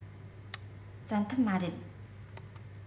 བཙན ཐབས མ རེད